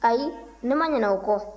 ayi ne ma ɲinɛ o kɔ